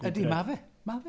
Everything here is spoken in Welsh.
Ydy mae fe ma' fe.